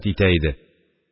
Итә иде